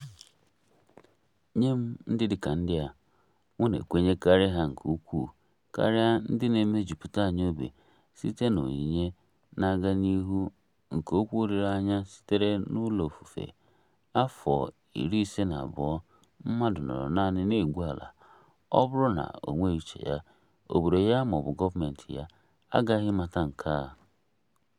Nye m, ndị dị ka ndị a, m na-ekwenyekarị ha nke ukwuu, karịa ndị na-emejupụta anyị obi site na onyinye na-aga n'ihu nke okwu olile anya sitere n'ụlọ ofufe, afọ 52 mmadụ nọọrọ naanị na-egwu ala — ọ bụrụ na ọ nweghị uche ya, obodo ya ma ọ bụ gọọmentị agaghị amata nke a?